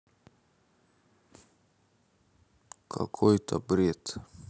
какой то бред